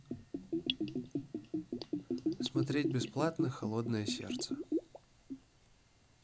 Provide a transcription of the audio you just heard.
смотреть бесплатно холодное сердце